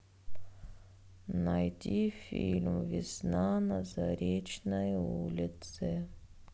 найди фильм весна на заречной улице